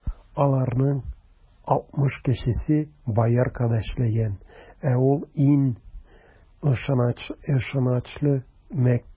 Аларның алтмыш кешесе Бояркада эшләгән, ә ул - иң ышанычлы мәктәп.